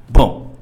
Bon